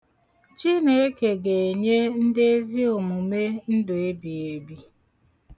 Chineke ga-enye ndị ezi omume ndu ebighiebi.